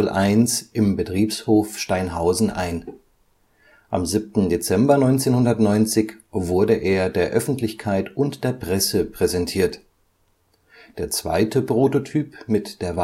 2701 im Betriebshof Steinhausen ein. Am 7. Dezember 1990 wurde er der Öffentlichkeit und der Presse präsentiert. Der zweite Prototyp mit der Wagennummer